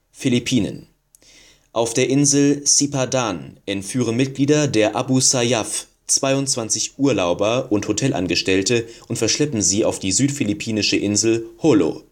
Philippinen: Auf der Insel Sipadan entführen Mitglieder der Abu Sajaf 22 Urlauber und Hotelangestellte und verschleppen sie auf die südphilippinische Insel Jolo